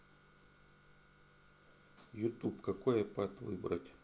youtube какой ipad выбрать